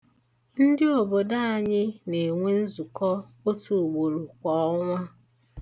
Ndị obodo anyị na-enwe nzụkọ otu ugboro kwa ọnwa.